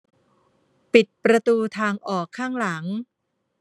ปิดประตูทางออกข้างหลัง